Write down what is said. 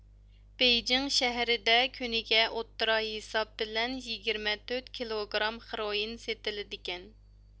بېيجىڭ شەھىرىدە كۈنىگە ئوتتۇرا ھېساب بىلەن يىگىرمە تۆت كىلوگرام خروئىن سېتىلىدىكەن